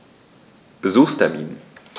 Besuchstermin